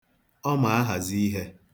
Ọ ma ahazi ihe.